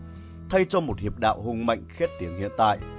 thay cho một hiệp đạo hùng mạnh khét tiếng hiện tại